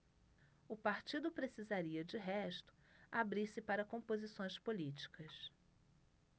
o partido precisaria de resto abrir-se para composições políticas